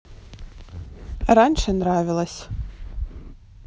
раньше нравилось